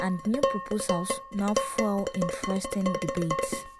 and new proposals now fuel interesting debates.